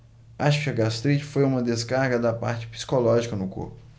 acho que a gastrite foi uma descarga da parte psicológica no corpo